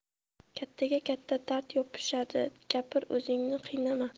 kattaga katta dard yopishadi gapir o'zingni qiynama